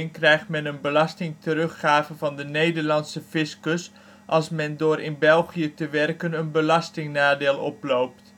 krijgt men een belastingteruggave van de Nederlandse fiscus als men door in België te werken een belastingnadeel oploopt